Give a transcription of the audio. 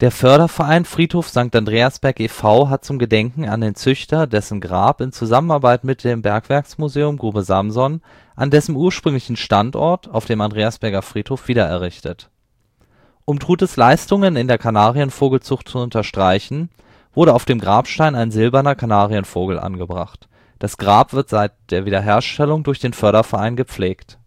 Förderverein Friedhof Sankt Andreasberg e.V. hat zum Gedenken an den Züchter dessen Grab (Standort) in Zusammenarbeit mit dem Bergwerksmuseum Grube Samson an dessen ursprünglichen Standort auf dem Andreasberger Friedhof wiedererrichtet. Um Trutes Leistungen in der Kanarienvogelzucht zu unterstreichen, wurde auf dem Grabstein ein silberner Kanarienvogel angebracht. Das Grab wird seit der Wiederherstellung durch den Förderverein gepflegt